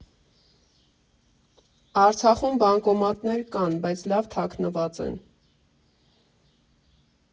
Արցախում բանկոմատներ կան, բայց լավ թաքնված են։